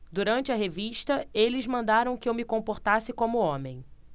durante a revista eles mandaram que eu me comportasse como homem